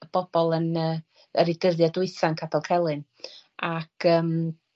y bobol yn yy y rei dyddia' dwytha'n Capel Celyn, ac yym